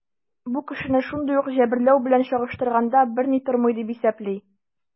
Бу кешене шундый ук җәберләү белән чагыштырганда берни тормый, дип исәпли.